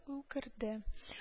Үкерде